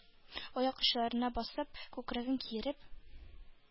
Аяк очларына басып, күкрәген киереп,